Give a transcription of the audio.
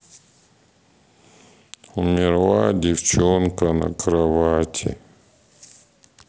умерла девчонка на кровати